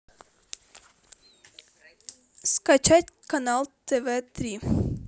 скачать канал тв три